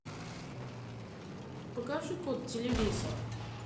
покажи код телевизора